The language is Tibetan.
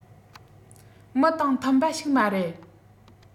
མི དང མཐུན པ ཞིག མ རེད